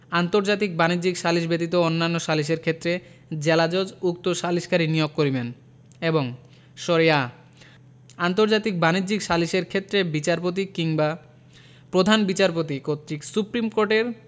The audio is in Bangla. আন্তর্জাতিক বাণিজ্যিক সালিস ব্যতীত অন্যান্য সালিসের ক্ষেত্রে জেলাজজ উক্ত সালিসকারী নিয়োগ করিবেন এবং আ আন্তর্জাতিক বাণিজ্যিক সালিসের ক্ষেত্রে বিচারপতি বিংবা প্রধান বিচারপতি কর্তৃক সুপ্রীম কোর্টের